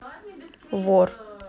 вор